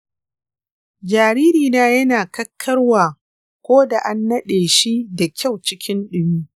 jaririna yana kakkarwa ko da an naɗe shi da kyau cikin ɗumi.